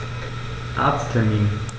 Arzttermin